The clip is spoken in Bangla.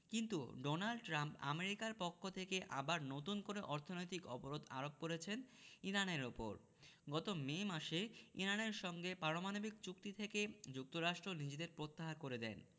কিন্তু ডোনাল্ড ট্রাম্প আমেরিকার পক্ষ থেকে আবার নতুন করে অর্থনৈতিক অবরোধ আরোপ করেছেন ইরানের ওপর গত মে মাসে ইরানের সঙ্গে পারমাণবিক চুক্তি থেকে যুক্তরাষ্ট্র নিজেদের প্রত্যাহার করে দেন